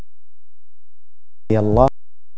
يلا